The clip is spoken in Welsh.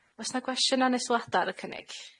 O's 'na gwestiyna' ne' sylwada' ar y cynnig?